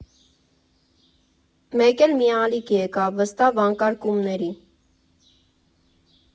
Մեկ էլ մի ալիք եկավ վստահ վանկարկումների.